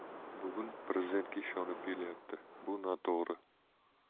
bugun prezidentga ishonib kelyapti bu noto'g'ri